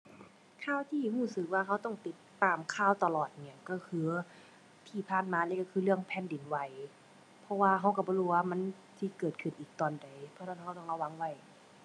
ข่าวที่รู้สึกว่ารู้ต้องติดตามข่าวตลอดนี้รู้คือ ที่ผ่านมานี้รู้คือเรื่องแผ่นดินไหว เพราะว่ารู้รู้บ่รู้ว่ามันสิเกิดขึ้นอีกตอนใด เพราะนั้นรู้ต้องระวังไว้